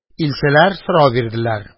Илчеләр сорау бирделәр: